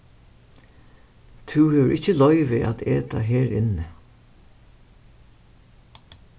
tú hevur ikki loyvi at eta her inni